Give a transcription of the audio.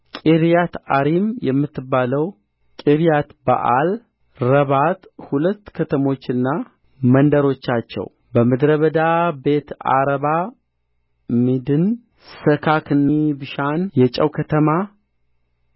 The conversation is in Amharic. ቂርያትይዓሪም የምትባለው ቂርያትበኣል ረባት ሁለት ከተሞችና መንደሮቻቸው በምድረ በዳ ቤትዓረባ ሚዲን ስካካ ኒብሻን የጨው ከተማ